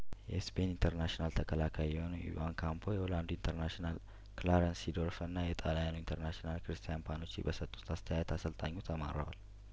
የስፔን ኢንተርናሽናል ተከላካይ የሆነው ኢቫን ካምፖ የሆላንዱ ኢንተርናሽናል ክላረንስ ሲዶርፍና የጣልያኑ ኢንተርናሽናል ክሪስቲያን ፓኑቺ በሰጡት አስተያየት አሰልጣኙ ተማረዋል